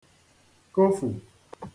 kofụ̀